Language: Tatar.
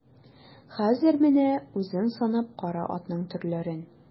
Хәзер менә үзең санап кара атның төрләрен.